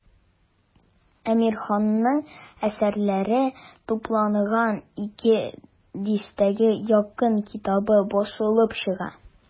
Әмирханның әсәрләре тупланган ике дистәгә якын китабы басылып чыга.